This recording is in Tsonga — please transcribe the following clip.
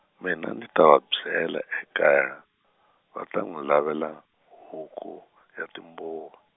mina ndzi ta va byela ekaya, va ta nwi lavela, huku ya timbuva.